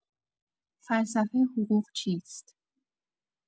فلسفه حقوق چیست؟